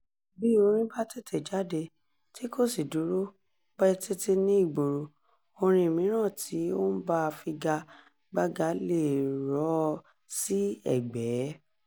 Bí orín bá tètè jáde, tí kò sí dúró pẹ́ títí ní ìgboro, orin mìíràn tí ó ń bá a figagbága lè rọ́ ọ sí ẹ̀gbẹ́.